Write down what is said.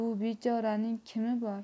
bu bechoraning kimi bor